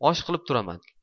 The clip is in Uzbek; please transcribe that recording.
osh qilib turaman